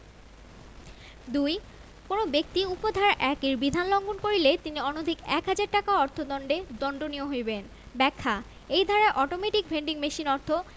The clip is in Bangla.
২ কোন ব্যক্তি উপ ধারা ১ এর বিধান লংঘন করিলে তিনি অনধিক এক হাজার টাকা অর্থ দন্ডে দন্ডনীয় হইবেন ব্যাখ্যাঃ এই ধারায় অটোমেটিক ভেন্ডিং মেশিন অর্থ